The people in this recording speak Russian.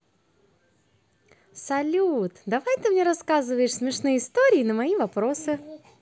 салют давай ты мне рассказываешь смешные истории на мои вопросы